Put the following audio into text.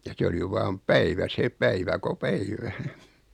ja se oli vain päivä se päivä kun päivä